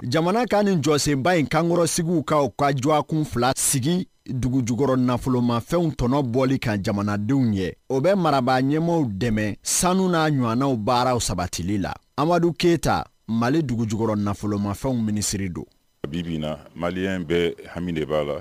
Jamanakan nin jɔ senba in kango segu ka ka duwa a kun fila sigi dugu jukɔrɔ nafolomafɛnw tɔɔnɔ bɔli ka jamanadenw ye o bɛ marabaa ɲɛmɔgɔw dɛmɛ sanu n'a ɲɔgɔnanaw baararaww sabatili la amadu keyita mali dugu jukɔrɔ nafolomafɛnw minisiriri don bi maliya in bɛ hamia la